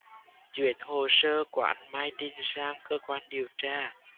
chuyển hồ sơ quán mai trinh sang cơ quan điều tra